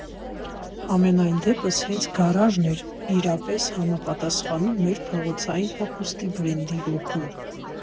Համենայն դեպս, հենց գարաժն էր իրապես համապատասխանում մեր փողոցային հագուստի բրենդի ոգուն։